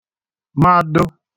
mado